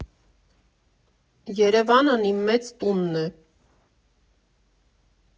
Երևանն իմ մեծ տունն է։